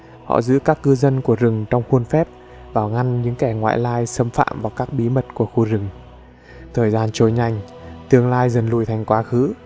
họ giữ các cư dân của rừng trong khuôn phép và ngăn những kẻ ngoại lai xâm phạm các bí mật của khu rừng thời gian trôi tương lai dần lùi thành quá khứ